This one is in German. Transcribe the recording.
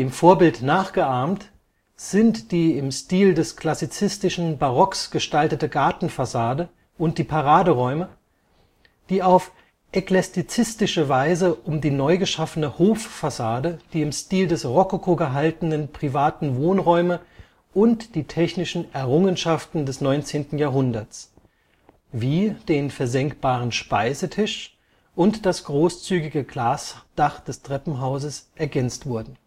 Vorbild nachgeahmt sind die im Stil des klassizistischen Barocks gestaltete Gartenfassade und die Paraderäume, die auf eklektizistische Weise um die neugeschaffene Hoffassade, die im Stil des Rokoko gehaltenen privaten Wohnräume und die technischen Errungenschaften des 19. Jahrhunderts, wie den versenkbaren Speisetisch und das großzügige Glasdach des Treppenhauses, ergänzt wurden